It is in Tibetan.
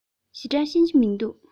ཞེ དྲགས ཤེས ཀྱི མི འདུག